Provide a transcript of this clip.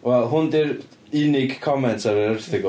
Wel hwn 'di'r unig comment ar yr erthygl.